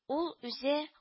Ул үзе